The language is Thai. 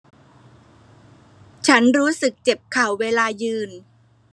ฉันรู้สึกเจ็บเข่าเวลายืน